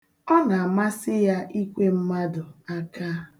Ọ na-amasị ya ikwe mmadụ aka.